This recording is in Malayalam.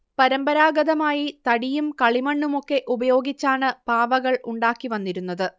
പരമ്പരാഗതമായി തടിയും കളിമണ്ണുമൊക്കെ ഉപയോഗിച്ചാണ് പാവകൾ ഉണ്ടാക്കി വന്നിരുന്നത്